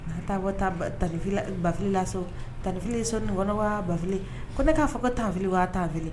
N' taa bɔ taa bafililasɔ talifi sɔn nin waa bafili ko ne k'a fɔ ka tanfi waa tanfi